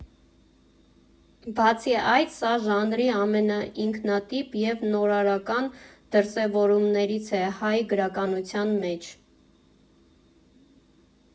Բացի այդ, սա ժանրի ամենաինքնատիպ և նորարարական դրսևորումներից է հայ գրականության մեջ։